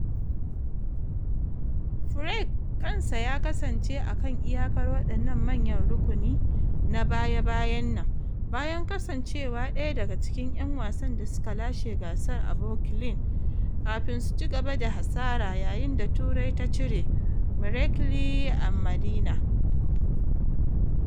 Furyk kansa ya kasance a kan iyakar wadannan manyan rukuni na baya-bayan nan, bayan kasancewa daya daga cikin 'yan wasan da suka lashe gasar a Brookline kafin su ci gaba da hasara yayin da Turai ta cire "Miracle a Madinah."